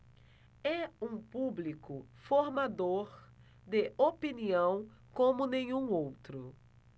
é um público formador de opinião como nenhum outro